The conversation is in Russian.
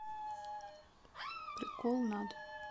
прикол над